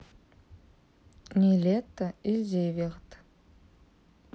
нилетто и зиверт